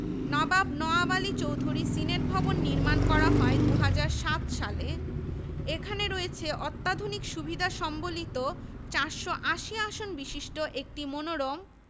যেটি কেন্দ্রীয় গ্রন্থাগারের একটি শাখা বিজ্ঞান জীববিজ্ঞান ও ফার্মেসি অনুষদের ছাত্রছাত্রী শিক্ষক ও গবেষকগণ এটি ব্যবহার করে থাকেন